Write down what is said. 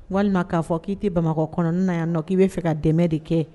Walima k'a fɔ k'i tɛ bamakɔ kɔnɔna na yan nɔ k'i bɛ fɛ ka dɛmɛ de kɛ